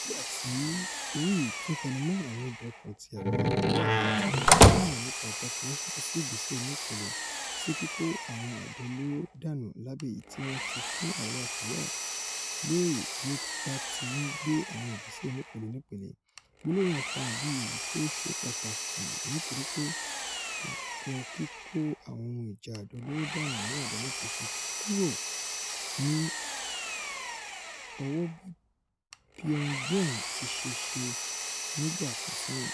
nígbà tí Ri tún tẹnumọ́ àwọn ẹ̀dùn ọkàn ti Àríwa Kòríà èyití gbogbo ayé mọ̀ nípa àtakò Washington sí ìgbéṣẹ̀ ''onípele'' sí kíkó àwọn àdò olóró dànù lábẹ́ èyití wọn ti fún Àríwá Kòríà lérè bí ó báti ńgbé àwọn ìgbésẹ̀ onípẹ̀lẹ̀pẹlẹ̀, gbólóhùn rẹ̀ farahàn bí eyito ṣe pàtàkì nítorípe kò kọ kíkó àwọn ohun ìjà àdó olóro dànù ní àdánìkànṣe kuro ní ọwọ́ bí Pyongyang tiṣe se nígbà kan sẹyìn.